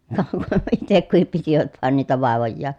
ka - itse kukin pitivät vain niitä vaivojaan